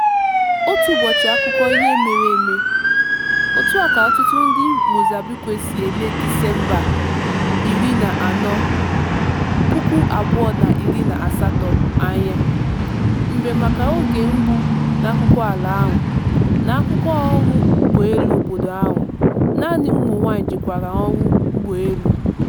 Ọ bụ ụbọchị akụkọ ihe mere eme: otu a ka ọtụtụ ndị Mozambique si ele Disemba 14, 2018 anya, mgbe maka oge mbụ n'akụkọala ahụ na n'akụkọ ọrụ ụgbọelu obodo ahụ, naanị ụmụnwaanyị jikwara ọrụ n'ụgbọelu.